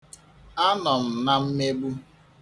Anọ m na mmegbu.